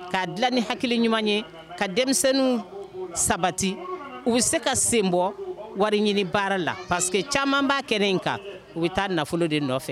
K'a dilan ni hakili ɲuman ye ka denmisɛnnin sabati u bɛ se ka sen bɔ wari ɲini baara la parce que caman b'a kɛnɛ in kan u bɛ taa nafolo de nɔfɛ